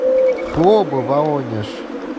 пробы воронеж